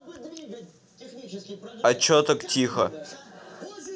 а че так тихо